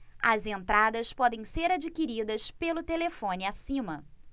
as entradas podem ser adquiridas pelo telefone acima